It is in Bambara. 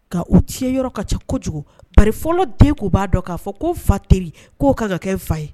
Ka u ci yɔrɔ ka ca kojugu baro den tun b'a dɔn k'a fɔ ko fa teri k'o ka ka kɛ n fa ye